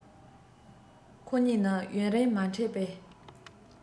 ཁོ གཉིས ནི ཡུན རིང མ འཕྲད པའི